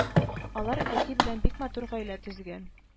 Алар әти белән бик матур гаилә төзегән